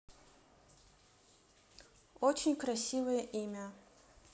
очень красивое имя